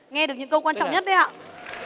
nghe được những câu quan trọng nhất đấy ạ